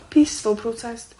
Peaceful protest.